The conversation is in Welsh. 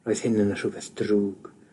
Roedd hyn yn y rhwbeth drwg,